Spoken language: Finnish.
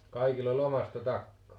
kaikilla oli omasta takaa